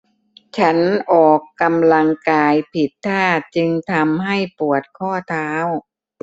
ฉันออกกำลังกายผิดท่าจึงทำให้ปวดข้อเท้า